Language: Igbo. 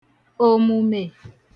òmùmè